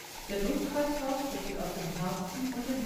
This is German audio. Der Blutkreislauf besteht aus dem Herzen und den